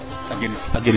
a genit mam